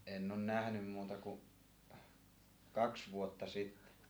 en ole nähnyt muuta kuin kaksi vuotta sitten